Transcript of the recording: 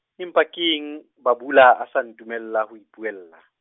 empa keng, ba Bhabula a sa ntumella ho ipuella?